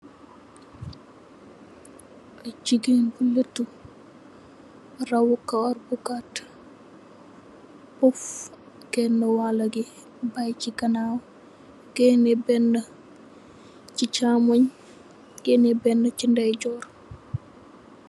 Jigéen bu lettu raw karaw bu gatt. Poff gën nu wal lu yi bayè ci gannaw. Gënnè benn ci chàmoñ, gënnè benn ci ndejor.